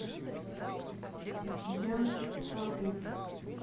ян цапник